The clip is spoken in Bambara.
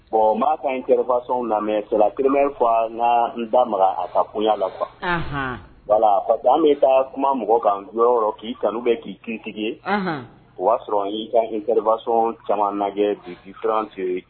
Bon m'a ka intervention lamɛn C'est la première fois n k'a n da maka a ka ko ɲɛ la quoi ;anhan; voilà, parce que an bɛ taa kuma mɔgɔ kan yɔrɔ yɔrɔ k'i kanu ou bien k'i critiquer ;anhan ;o y'a sɔrɔ n y'i ka intervention caaman lajɛ de differente